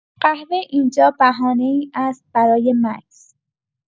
قهوه این‌جا بهانه‌ای است برای مکث.